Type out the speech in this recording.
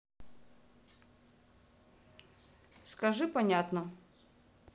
скажи понятно